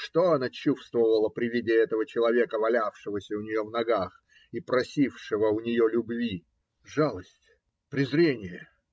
Что она чувствовала при виде этого человека, валявшегося у нее в ногах и просившего у нее любви? Жалость, презрение?